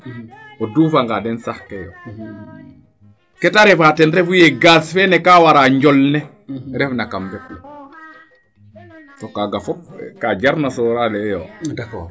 o duufa nga den sax kee yo ke te refa ten refu yee gaz feene kaa wara njol ne refna kam fee to kaaga fop kaa jarna soorale elo